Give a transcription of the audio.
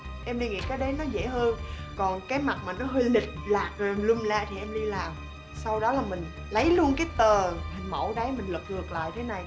em đang nghĩ cái đấy nó dễ hơn còn cái mặt nó hơi lịch lạc rồi tùm lum la thì em đi làm sau đó là mình lấy luôn cái tờ hình mẫu đấy mình lật ngược lại thế này